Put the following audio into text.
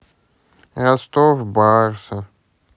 ростов барса